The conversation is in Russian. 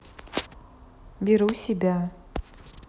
берегу себя